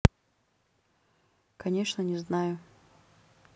конечно не знаю